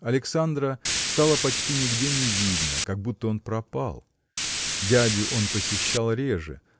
Александра стало почти нигде не видно, как будто он пропал. Дядю он посещал реже.